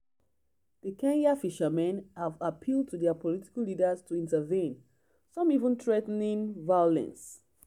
The Kenyan fishermen have appealed to their political leaders to intervene, some even threatening violence.